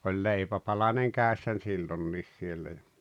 oli leipäpalanen kädessä silloin niin siellä ja